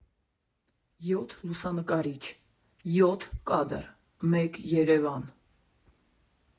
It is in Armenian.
Յոթ լուսանկարիչ, յոթ կադր, մեկ Երևան։